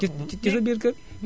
ci ci ci sa biir kër